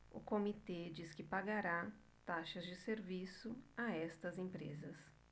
o comitê diz que pagará taxas de serviço a estas empresas